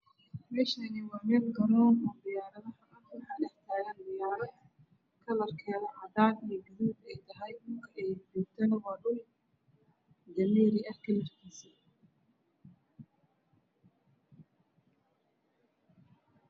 Meshani waa garoon diyarada ah waxa dhaxtagan diyarad galarkeeda cadan gaduud ee tahay dhulka eey jogto waa dhul dameri ah kalarkisa